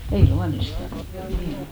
ei luonnistanut kyllä niin on